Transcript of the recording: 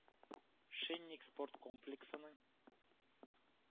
«шинник» спорт комплексының